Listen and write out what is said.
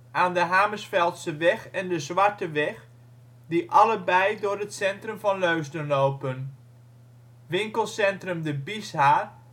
aan de Hamersveldseweg en de Zwarteweg die allebei door het centrum van Leusden lopen. Winkelcentrum de Bieshaar